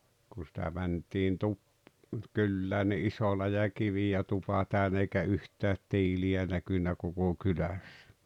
kun sitä mentiin - kylään niin iso läjä kiviä tupa täynnä eikä yhtään tiiliä näkynyt koko kylässä